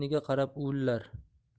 iniga qarab uvillar